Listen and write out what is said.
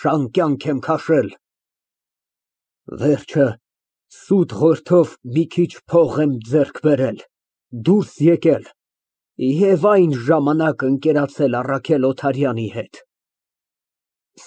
Շան կյանք եմ քաշել, վերջը սուտ֊ղորթով մի քիչ փող եմ ձեռք բերել, դուրս եկել և այն ժամանակը ընկերացել Առաքել Օթարյանի հետ։